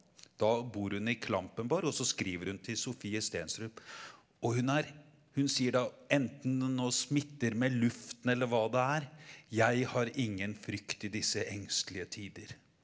da bor hun i Klampenborg og så skriver hun til Sofie Steenstrup og hun er hun sier da, enten det nå smitter med luften eller hva det er, jeg har ingen frykt i disse engstelige tider.